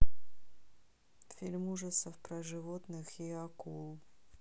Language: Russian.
фильм ужасов про животных и акул